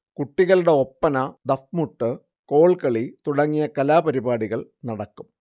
കുട്ടികളുടെ ഒപ്പന, ദഫ്മുട്ട്, കോൽകളി തുടങ്ങിയ കലാപരിപാടികൾ നടക്കും